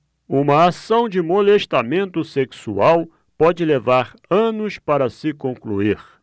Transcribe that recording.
uma ação de molestamento sexual pode levar anos para se concluir